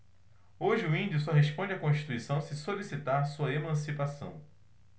hoje o índio só responde à constituição se solicitar sua emancipação